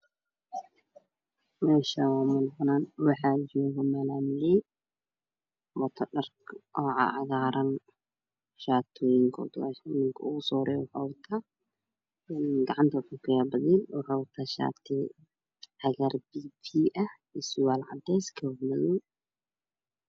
Meshaan waa meel panaan waxaa joga malaamaley wato dhar cagaaran ninka usoo horeeyo gacnta waxa uu ku hayaa padeel waxuu wataa shati cagaar piyo piya ah iyo surwaal cadees waxa uu wataa kabo madow